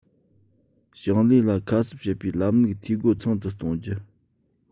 ཞིང ལས ལ ཁ གསབ བྱེད པའི ལམ ལུགས འཐུས སྒོ ཚང དུ གཏོང རྒྱུ